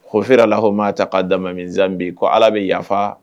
ko Ala bɛ yafaa